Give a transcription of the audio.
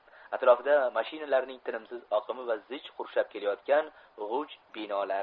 atrofida mashinalarning tinimsiz oqimi va zich qurshab kelayotgan g'uj binolar